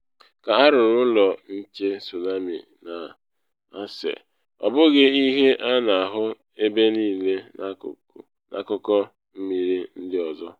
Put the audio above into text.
Ka arụrụ ụlọ nche tsunami na Aceh, ọ bụghị ihe a na ahụ ebe niile n’akụkụ mmiri ndị ọzọ.